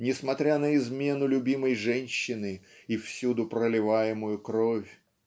несмотря на измену любимой женщины и всюду проливаемую кровь.